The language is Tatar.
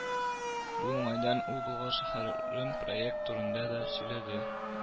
Бу уңайдан ул Болгар шәһәрен проект турында да сөйләде.